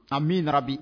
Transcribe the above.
An min na bi